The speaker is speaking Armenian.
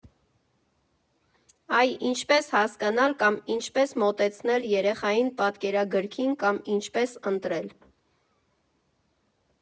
Այ ինչպե՞ս հասկանալ կամ ինչպե՞ս մոտեցնել երեխային պատկերագրքին կամ ինչպե՞ս ընտրել։